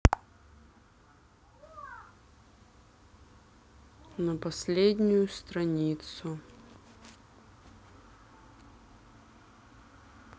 на последнюю страницу